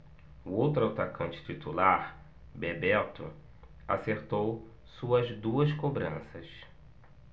o outro atacante titular bebeto acertou suas duas cobranças